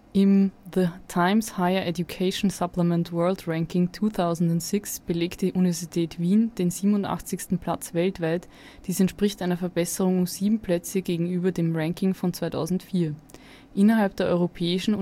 Im The Times Higher Education Supplement World Ranking 2006 belegt die Universität Wien den 87. Platz weltweit, dies entspricht einer Verbesserung um 7 Plätze gegenüber dem Ranking von 2004. Innerhalb der europäischen